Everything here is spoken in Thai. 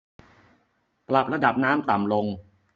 ปรับระดับน้ำต่ำลง